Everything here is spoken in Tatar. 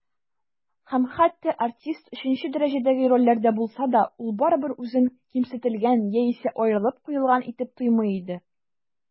Һәм хәтта артист өченче дәрәҗәдәге рольләрдә булса да, ул барыбыр үзен кимсетелгән яисә аерылып куелган итеп тоймый иде.